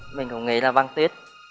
mình cũng nghĩ là băng tuyết